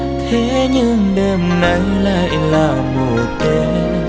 thế nhưng đêm nay lại là một đêm